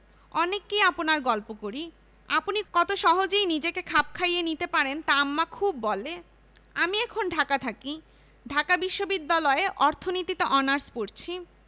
অনেককেই আপনার গল্প করি আপনি কত সহজে নিজেকে খাপ খাইয়ে নিতে পারেন তা আম্মা খুব বলে আমি এখন ঢাকা থাকি ঢাকা বিশ্ববিদ্যালয়ে অর্থনীতিতে অনার্স পরছি